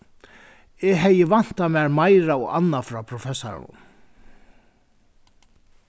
eg hevði væntað mær meira og annað frá professaranum